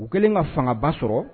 U kɛlen ka fangaba sɔrɔ